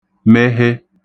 mehe